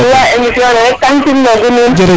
rafetluwa emission ne rek kam simnogu nuun